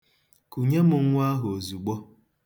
Kunye m nwa ahụ ozugbo.